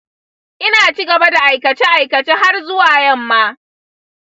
ina cigaba da aikace aikace har zuwa yamma